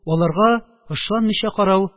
Аларга ышанмыйча карау